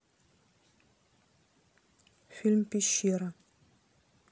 фильм пещера